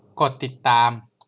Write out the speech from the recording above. กดติดตาม